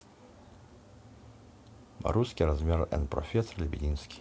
русский размер and профессор лебединский